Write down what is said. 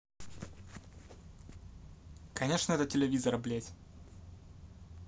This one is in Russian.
конечно это телевизора блядь